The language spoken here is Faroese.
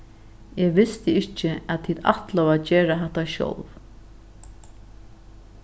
eg visti ikki at tit ætlaðu at gera hatta sjálv